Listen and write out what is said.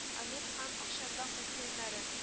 Олимп һәм Акчарлак бассейннарын